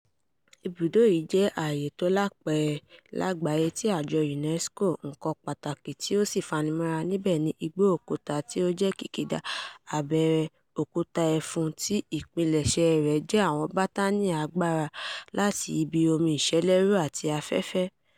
Ibùdó yìí jẹ́ Ààyè tí ó Lápẹẹrẹ Lágbàáyé tí àjọ UNESCO, nǹkan pàtàkì tí ó sì fanimọ́ra níbẹ̀ ni igbó òkúta tí ó jẹ́ kìkìdá abẹ́rẹ́ òkúta ẹfun tí ìpilẹ̀ṣẹ̀ rẹ̀ jẹ́ àwọn bátànì àgbàrá láti ibi omi ìsẹ́lẹ̀rú àti afẹ́fẹ́.